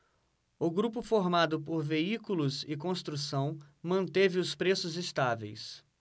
o grupo formado por veículos e construção manteve os preços estáveis